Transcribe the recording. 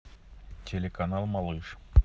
телеканал малыш